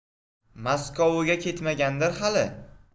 maskoviga ketmagandir hali